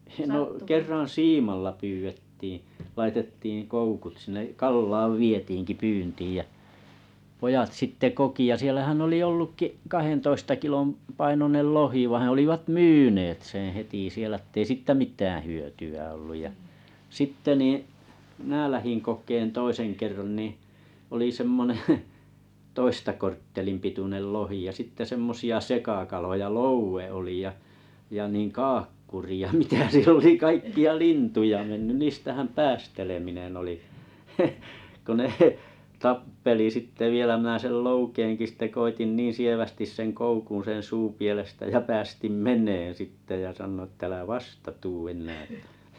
no kerran siimalla pyydettiin laitettiin koukut sinne Kallaan vietiinkin pyyntiin ja pojat sitten koki ja siellähän oli ollutkin kahdentoista kilon painoinen lohi vaan olivat myyneet sen heti siellä että ei siitä mitään hyötyä ollut ja sitten niin minä lähdin kokemaan toisen kerran niin oli semmoinen toista korttelin pituinen lohi ja sitten semmoisia sekakaloja loue oli ja ja niin kaakkuri ja mitä siellä oli kaikkia lintuja mennyt niistähän päästeleminen oli kun ne tappeli sitten vielä minä sen loukeenkin sitten koetin niin sievästi sen koukun sen suupielestä ja päästin menemään sitten ja sanoin että älä vasta tule enää että